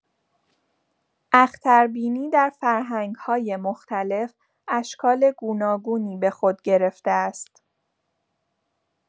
اختربینی در فرهنگ‌های مختلف، اشکال گوناگونی به خود گرفته است.